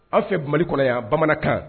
Aw fɛ mali kɔnɔ yan a bamanankan